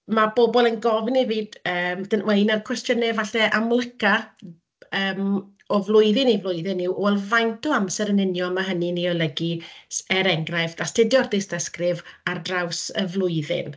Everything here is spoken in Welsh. ma' bobl yn gofyn i fi... yym wel un o'r cwestiynau falle amlyca yym o flwyddyn i flwyddyn yw, wel faint o amser yn union mae hynny'n 'i olygu, s- er enghraifft, astudio'r dystysgrif ar draws y flwyddyn?